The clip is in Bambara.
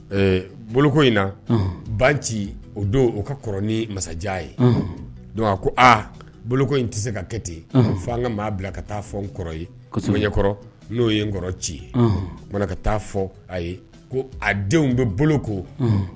Ɛɛ boloko in na ban ci o don o ka kɔrɔ ni masajan ye don a ko aa boloko in tɛ se ka kɛ ten fo an ka maa bila ka taa fɔ n kɔrɔ ye ɲɛkɔrɔ n'o ye n kɔrɔ ci ye o ka taa fɔ a ye ko a denw bɛ boloko ko